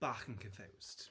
bach yn confused.